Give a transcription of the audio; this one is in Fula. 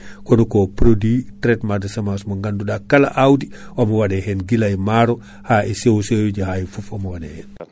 kono produit traitement de semence mo ganduɗa kala awdi omo waɗe hen guilay maaro ha e sewo sewoji ha e foof omo waɗe hen